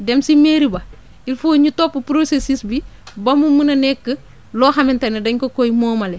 dem si mairie ba il faut ñu topp processus bi ba mu mun a nekk loo xamante ne dañ ko koy moomale